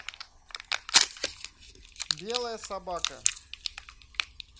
белая собака